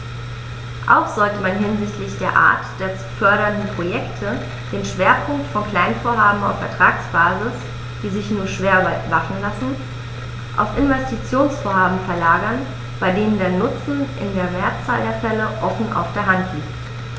Auch sollte man hinsichtlich der Art der zu fördernden Projekte den Schwerpunkt von Kleinvorhaben auf Ertragsbasis, die sich nur schwer überwachen lassen, auf Investitionsvorhaben verlagern, bei denen der Nutzen in der Mehrzahl der Fälle offen auf der Hand liegt.